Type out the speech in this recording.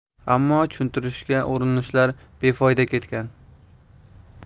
ammo tushuntirishga urinishlar befoyda ketgan